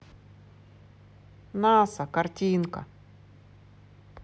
наса картинка